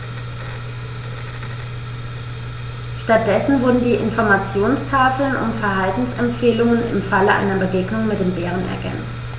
Stattdessen wurden die Informationstafeln um Verhaltensempfehlungen im Falle einer Begegnung mit dem Bären ergänzt.